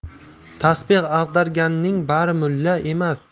tasbeh ag'darganning bari mulla emas